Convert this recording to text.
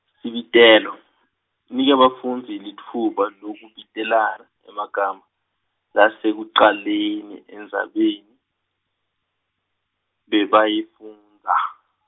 Sibitelo, nika bafundzi litfuba lekubitelana emagama, lasekucaleni endzabeni, bebayifundza.